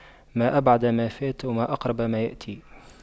ما أبعد ما فات وما أقرب ما يأتي